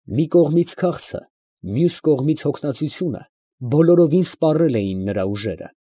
Մի կողմից քաղցը, մյուս կողմից հոգնածությունը, բոլորովին սպառել էին նրա ուժերը։